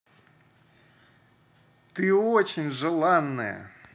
ты очень желанная